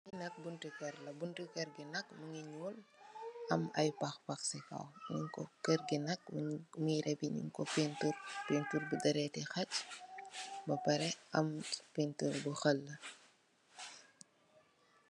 Lii nak bunte ker la, buntu ker ngi nak mingi nyuul, am ay paxpax si kaw, kar ngi nak meere bi nyun ko painteur, painteur bu dereti xaaj, ba pare, am painteur bu xallee,